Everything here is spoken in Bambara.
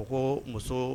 U ko muso